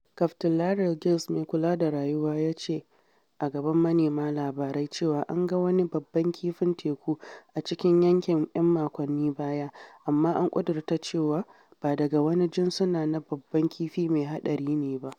Kaftin Larry Giles mai kula da rayuwa ya ce a gaban manema labarai cewa an ga wani babban kifin teku a cikin yankin ‘yan makonni baya, amma an ƙudurta cewa ba daga wani jinsuna na babban kifi mai haɗari ne ba.